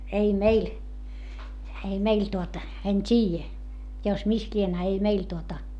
ei meillä ei meillä tuota en tiedä jo missä lie a ei meillä tuota